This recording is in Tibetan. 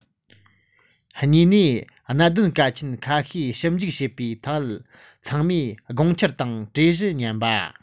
གཉིས ནས གནད དོན གལ ཆེན ཁ ཤས ཞིབ འཇུག བྱེད པའི ཐད ཚང མའི དགོངས འཆར དང གྲོས གཞི ཉན པ